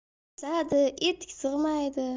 o'sadi etik sig'maydi